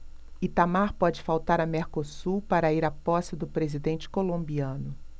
itamar pode faltar a mercosul para ir à posse do presidente colombiano